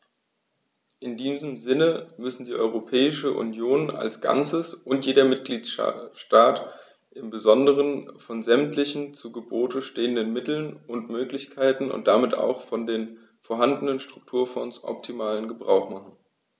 In diesem Sinne müssen die Europäische Union als Ganzes und jeder Mitgliedstaat im Besonderen von sämtlichen zu Gebote stehenden Mitteln und Möglichkeiten und damit auch von den vorhandenen Strukturfonds optimalen Gebrauch machen.